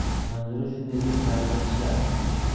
manzura shunday deb labini tishladi